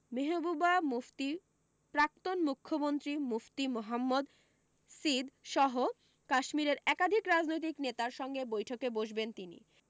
মেহবুবা মুফতি প্রাক্তন মুখ্যমন্ত্রী মুফতি মোহম্মদ সিদ সহ কাশ্মীরের একাধিক রাজনৈতিক নেতার সঙ্গেও বৈঠকে বসবেন তিনি